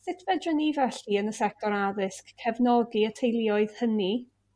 Sut fedran ni felly yn y sector addysg cefnogi y teuluoedd hynny?